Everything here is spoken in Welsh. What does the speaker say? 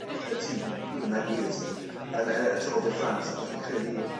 yy y tîm pwy bynnag bydd y tîm yn yy y Tour de France achos fi'n credu